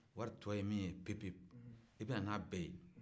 wari tɔ ye min ye pewu-pewu i bɛ nan'a bɛɛ ye